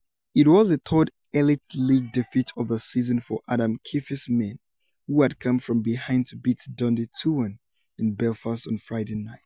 It was a third Elite League defeat of the season for Adam Keefe's men, who had come from behind to beat Dundee 2-1 in Belfast on Friday night.